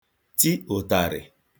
ti ụtarị.